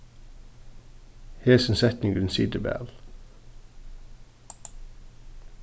hesin setningurin situr væl